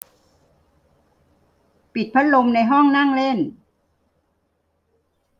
ปิดพัดลมในห้องนั่งเล่น